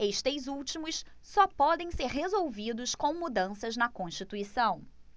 estes últimos só podem ser resolvidos com mudanças na constituição